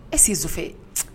Est ce que Zofe